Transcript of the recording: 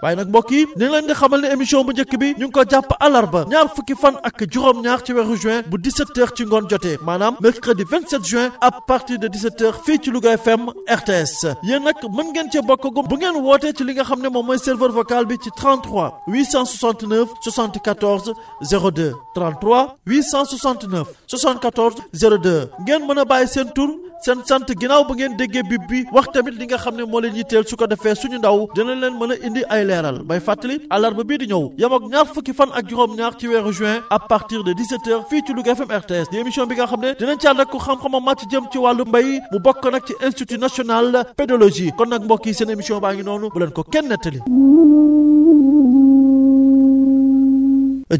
waaye nag mbokk yi ñu ngi leen i xamal ne émission bu njëkk bi ñu ngi ko jàpp àllarba ñaar fukki fan ak juróom-ñaar ci weeru juin bu 17 heures ci ngoon jotee maanaam mercredi 27 juin à partir de 17 heures fii ci Louga FM RTS yéen nag mën ngeen cee bokkagum bu ngeen wootee ci li nga xam ne moom mooy serveur vocal bi ci 33 869 74 02 33 869 74 02 ngeen mën a bàyyi seen tur seen sant ginnaaw bi ngeen déggee bip bi wax tamit li nga xam ne moo leen yitteel su ko defee suñu ndaw dinan leen mën a indi ay leeral may fàttali àllarba bii di ñëw yemoog ñaar fukki fan ak juróom-ñaar ci weeru juin à partir de 17 heures fii ci Louga FM RTS di émission bi nga xam ne dinañ ci àndak ku xam-xamam màcc jëm ci wàllu mbéy mu bokk nag ci institut national pédologie kon nag mbokk yi seen émission baa ngi noonu bu leen ko kenn nettali